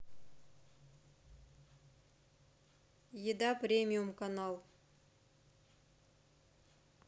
еда премиум канал